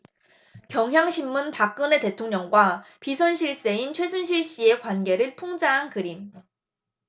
경향신문 박근혜 대통령과 비선실세인 최순실씨의 관계를 풍자한 그림